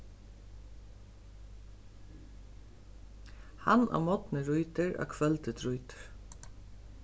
hann á morgni rýtir á kvøldi drítur